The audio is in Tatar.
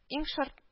Иң шарт